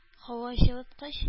Һаваҗылыткыч